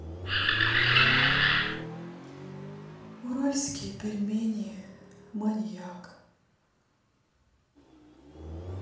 уральские пельмени маньяк